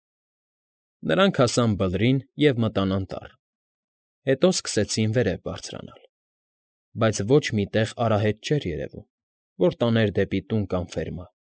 Նրանք հասան բլրին և մտան անտառ, հետո սկսեցին վերև բարձրանալ, բայց ոչ մի տեղ արահետ չէր երևում, որ տաներ դեպի տուն կամ ֆերմա։